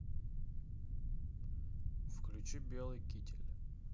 включи белый китель